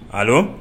A